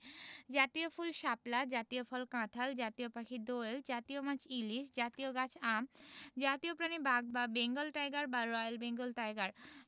জাতীয় ফুলঃ শাপলা জাতীয় ফলঃ কাঁঠাল জাতীয় পাখিঃ দোয়েল জাতীয় মাছঃ ইলিশ জাতীয় গাছঃ আম জাতীয় প্রাণীঃ বাঘ বা বেঙ্গল টাইগার বা রয়েল বেঙ্গল টাইগার